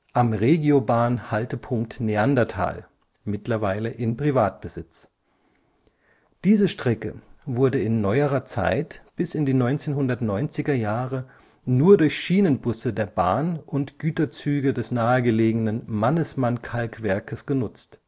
am Regiobahn-Haltepunkt Neanderthal, mittlerweile in Privatbesitz. Diese Strecke wurde in neuerer Zeit bis in die 1990er Jahre nur durch Schienenbusse der Bahn und Güterzüge des nahegelegenen Mannesmann-Kalkwerkes genutzt